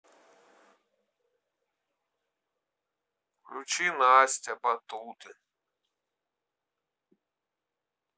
включи настя батуты